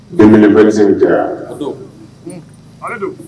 2025 tɛ wa, o don, ale don